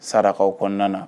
Sarakaw kɔnɔna na